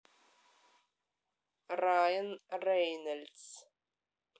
райан рейнольдс